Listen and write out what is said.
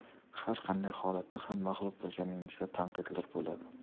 har qanday holatda ham mag'lub bo'lganingizda tanqidlar bo'ladi